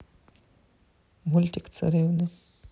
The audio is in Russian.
мультик царевны